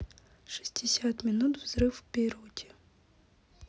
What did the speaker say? шестьдесят минут взрыв в бейруте